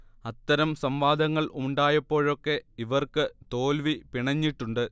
അത്തരം സംവാദങ്ങൾ ഉണ്ടായപ്പോഴൊക്കെ ഇവർക്ക് തോൽവി പിണഞ്ഞിട്ടുണ്ട്